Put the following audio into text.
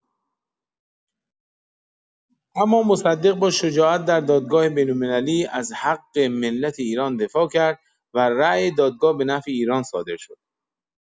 اما مصدق با شجاعت در دادگاه بین‌المللی از حق ملت ایران دفاع کرد و رأی دادگاه به نفع ایران صادر شد.